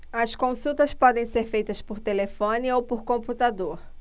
as consultas podem ser feitas por telefone ou por computador